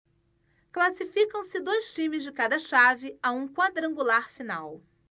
classificam-se dois times de cada chave a um quadrangular final